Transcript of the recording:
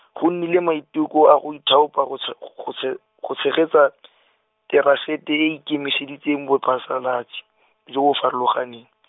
go nnile maiteko a go ithaopa go tshe-, g- go tshe-, go tshegetsa , terasete e e ikemiseditseng botsasalatsi , jo bo farologaneng.